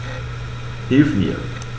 Hilf mir!